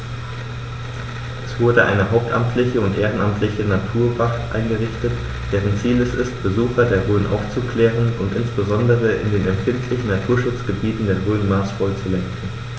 Es wurde eine hauptamtliche und ehrenamtliche Naturwacht eingerichtet, deren Ziel es ist, Besucher der Rhön aufzuklären und insbesondere in den empfindlichen Naturschutzgebieten der Rhön maßvoll zu lenken.